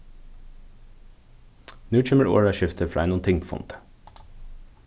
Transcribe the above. nú kemur orðaskifti frá einum tingfundi